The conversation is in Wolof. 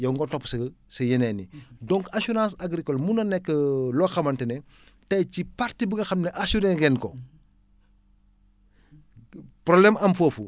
yow nga topp sa sa yeneen yi donc assurance agricole mun na nekk loo xamante ne tey ci partie bi nga xam ne assurée ngeen ko problème am foofu